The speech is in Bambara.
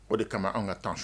O de kama anw ka taa so